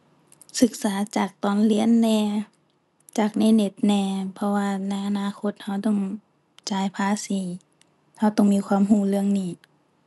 ศึกษาจากตอนเรียนแหน่ จากในเน็ตแหน่ เพราะว่าในอนาคตเราต้องจ่ายภาษี เราต้องมีความเราเรื่องนี้